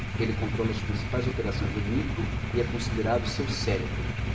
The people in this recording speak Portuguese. ele controla as principais operações do micro e é considerado seu cérebro